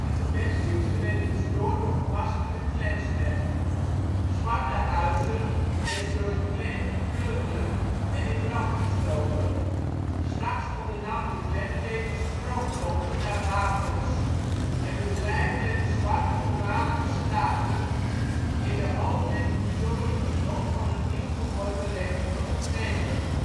gebedsdiensten werden verstoord door gemaskerde Klansmen. Zwarte huizen werden door de Klan geplunderd en in brand gestoken. ' s Nachts ondernam de Klan tevens strooptochten naar wapens en bedreigde het de zwarte voormalige slaven in de hoop hen zo het genot van hun nieuw verworven rechten te ontnemen